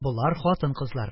Болар хатын-кызлар.